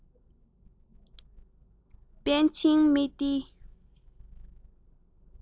པཎ ཆེན སྨྲི ཏིའི